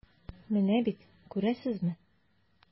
Менә бит, күрәсезме.